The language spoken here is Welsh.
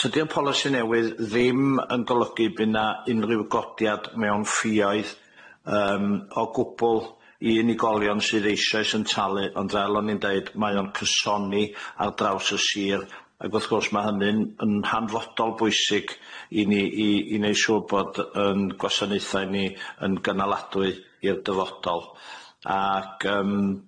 tydi'n polisi newydd ddim yn golygu by' na unrhyw godiad mewn ffïoedd yym o gwbwl i unigolion sydd eishoes yn talu ond fel o'n i'n deud mae o'n cysoni ar draws y sir ag wrth gwrs ma' hynny'n yn hanfodol bwysig i ni i i neu' siŵr bod 'yn gwasanaethau ni yn gynaladwy i'r dyfodol ac yym